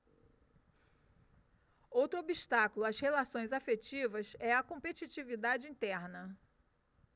outro obstáculo às relações afetivas é a competitividade interna